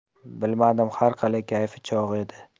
bilmadim har qalay kayfi chog' edi